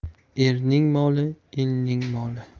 erning moli elning moli